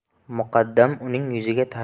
muqaddam uning yuziga